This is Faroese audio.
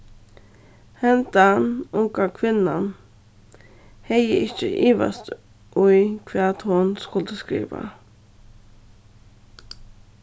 hendan unga kvinnan hevði ikki ivast í hvat hon skuldi skrivað